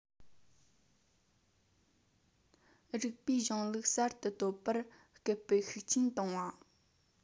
རིགས པའི གཞུང ལུགས གསར དུ གཏོད པར སྐུལ སྤེལ ཤུགས ཆེན གཏོང བ